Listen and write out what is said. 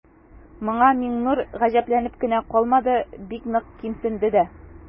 Моңа Миңнур гаҗәпләнеп кенә калмады, бик нык кимсенде дә.